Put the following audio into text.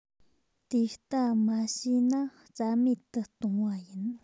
དེ ལྟ མ བྱས ན རྩ མེད དུ གཏོང བ ཡིན